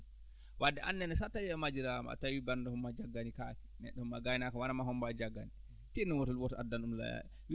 wadde aan nene so a tawii a majjiraama a tawii banndum omo ma jaggani kaake mais ɗum gaynaako hono ma jaggani tiinno woto woto addan ɗum laayaɗi